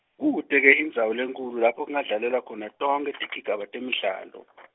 kute-ke indzawo lenkhulu lapho kungadlalelwa khona tonkhe tigigaba temdlalo.